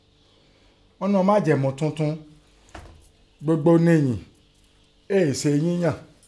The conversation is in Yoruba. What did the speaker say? Ńnú Májẹ̀mú tuntun, gbogbo ni ìyìn, éè se yínyàn.